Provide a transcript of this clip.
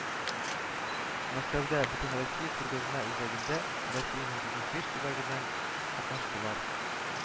Мәскәүдә Бөтенроссия күргәзмә үзәгендә Россиянең җитмеш биш төбәгеннән катнаштылар